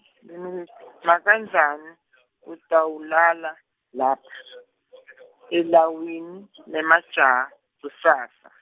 nakanjani , utawulala, lapha, elawini, lemajaha, kusasa.